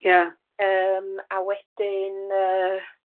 Ie. Yym a wedyn yy